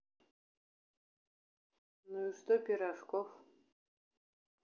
ну и что пирожков